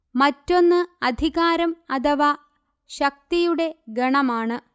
മറ്റൊന്ന് അധികാരം അഥവാ ശക്തിയുടെ ഗണമാണ്